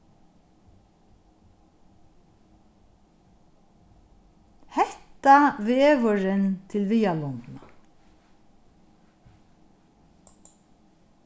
hetta vegurin til viðarlundina